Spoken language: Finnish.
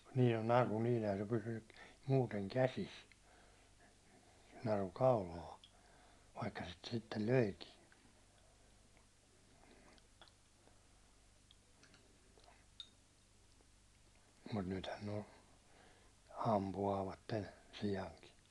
niin no naru niin eihän se pysynyt muuten käsissä naru kaulaan vaikka sitä sitten löikin mutta nythän ne on ampuvat siankin